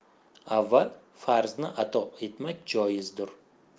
avval farzni ado etmak joizdur